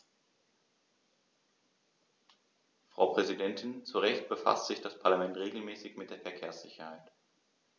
Frau Präsidentin, zu Recht befasst sich das Parlament regelmäßig mit der Verkehrssicherheit.